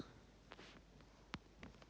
у тебя же нету ног